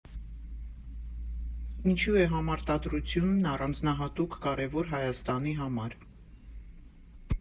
Ինչու է համարտադրությունն առանձնահատուկ կարևոր Հայաստանի համար։